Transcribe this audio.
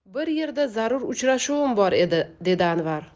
bir yerda zarur uchrashuvim bor edi dedi anvar